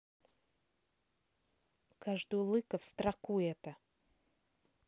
каждую лыко в строку это